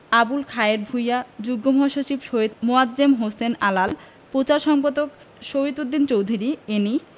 আবুল খায়ের ভূইয়া যুগ্য মহাসচিব সৈয়দ মোয়াজ্জেম হোসেন আলাল পচার সম্পাদক শহীদ উদ্দিন চৌধুরী এ্যানি